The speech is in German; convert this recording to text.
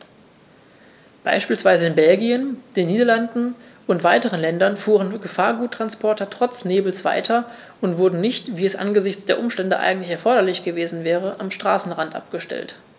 Beispielsweise in Belgien, den Niederlanden und weiteren Ländern fuhren Gefahrguttransporter trotz Nebels weiter und wurden nicht, wie es angesichts der Umstände eigentlich erforderlich gewesen wäre, am Straßenrand abgestellt.